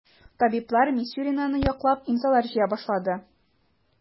Табиблар Мисюринаны яклап имзалар җыя башлады.